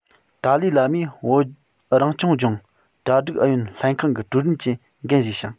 ཏཱ ལའི བླ མས བོད རང སྐྱོང ལྗོངས གྲ སྒྲིག ཨུ ཡོན ལྷན ཁང གི ཀྲུའུ རིན གྱི འགན བཞེས ཤིང